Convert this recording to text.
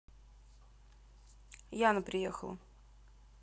яна прехала